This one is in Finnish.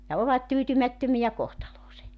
ja ovat tyytymättömiä kohtaloonsa